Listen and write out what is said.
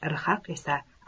rhaq esa